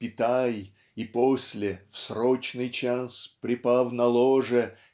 питай И после в срочный час припав на ложе